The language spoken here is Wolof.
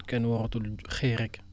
kenn waratul xëy rekk